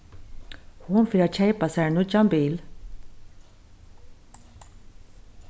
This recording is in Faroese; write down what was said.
hon fer at keypa sær nýggjan bil